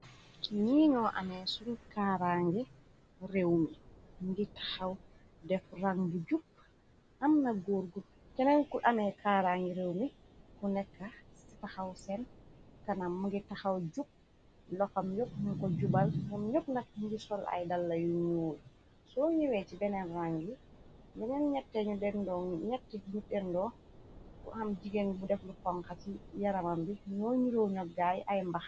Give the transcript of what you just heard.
Ni ñoo anee sul kaarangi réew mi ngi taxaw def rang bi jup am na góor gu keneen ku anee kaara ngi réew mi ku nekkx ci taxaw seen kanam m ngi taxaw jup loxam yog n ko jubal num ñog nak ngi sol ay dala yu ñooyu soo niwee ci beneen rang yi beneen ñatte ñu dendoo ñatti nu dendoo ku am jigeen bu deflu ponxa ci yaramam bi ñoo nuroo ñoggaay ay mbaxna.